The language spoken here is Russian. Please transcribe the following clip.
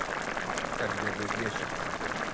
как бегают ящерицы